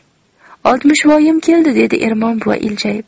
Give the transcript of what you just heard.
oltmishvoyim keldi dedi ermon buva iljayib